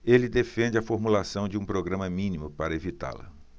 ele defende a formulação de um programa mínimo para evitá-la